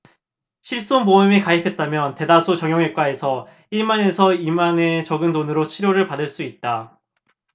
실손보험에 가입했다면 대다수 정형외과에서 일 만 에서 이 만원의 적은 돈으로 치료를 받을 수 있다